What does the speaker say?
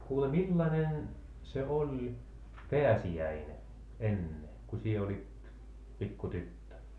kuule millainen se oli pääsiäinen ennen kun sinä olit pikku tyttö